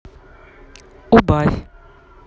убавь